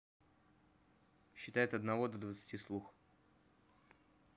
считай от одного до двадцати слух